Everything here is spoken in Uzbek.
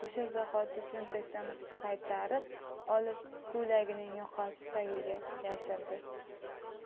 o'sha zahoti cho'ntakdan qaytarib olib ko'ylagining yoqasi tagiga yashirdi